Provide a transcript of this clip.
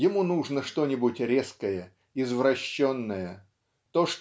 ему нужно что-нибудь резкое извращенное то